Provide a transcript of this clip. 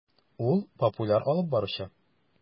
Ул - популяр алып баручы.